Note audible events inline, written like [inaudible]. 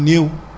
[hesitation] [hesitation]